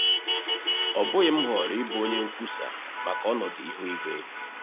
Ọ bụghị m họrọ ịbụ onye nkwusa maka ọnọdụ ihu igwe.